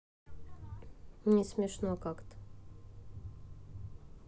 не смешно как то